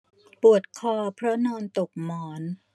ปวดคอเพราะนอนตกหมอน